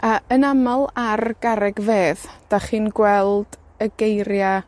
A, yn amal ar garreg fedd, 'dach chi'n gweld y geiria